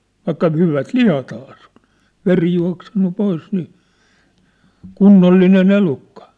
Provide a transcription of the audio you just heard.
vaikka hyvät lihathan se on veri juossut pois niin kunnollinen elukka